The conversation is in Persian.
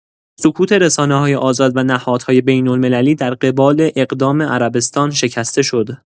سکوت رسانه‌های آزاد و نهادهای بین‌المللی در قبال اقدام عربستان شکسته شد.